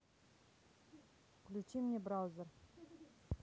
включи мне браузер